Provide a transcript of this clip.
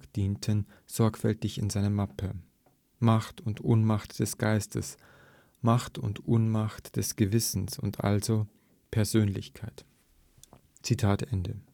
dienten, sorgfältig in seine Mappe. Macht und Unmacht des Geistes, Macht und Unmacht des Gewissens, und also: Persönlichkeit. “Am